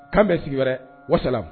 K'an bɛn sigi wɛrɛ, wa salam